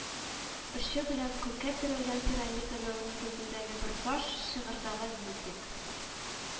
Очы белән күккә терәлгән пирамиданың нигезендәге бер таш, чыгырдагы винтик